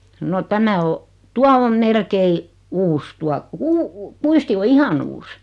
no tämä on tuo on melkein uusi tuo - kuisti on ihan uusi